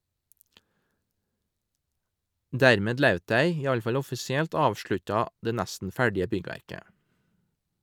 Dermed laut dei - i alle fall offisielt - avslutta det nesten ferdige byggverket.